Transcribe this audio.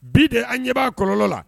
Bi de an ɲɛ b'a kɔrɔlɔ la